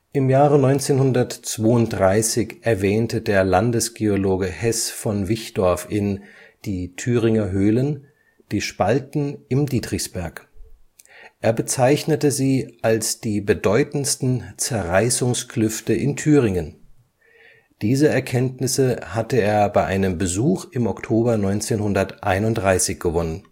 Im Jahre 1932 erwähnte der Landesgeologe Heß von Wichdorf in Die Thüringer Höhlen die Spalten im Dietrichsberg. Er bezeichnete sie als die bedeutendsten Zerreißungsklüfte in Thüringen. Diese Erkenntnisse hatte er bei einem Besuch im Oktober 1931 gewonnen